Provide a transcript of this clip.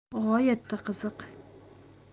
g'oyatda qiziq